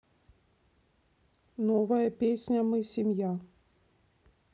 новая песня мы семья